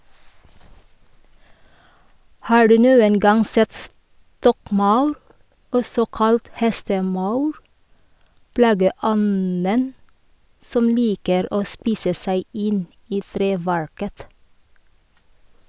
Har du noen gang sett stokkmaur, også kalt hestemaur, plageånden som liker å spise seg inn i treverket?